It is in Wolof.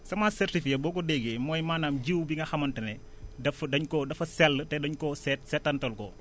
semence certifiée boo ko déggee mooy maanaam jiw bi nga xamante ne dafa dañ ko dafa sell te dañ koo seet settantal ko